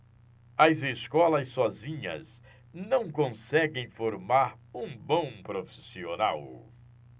as escolas sozinhas não conseguem formar um bom profissional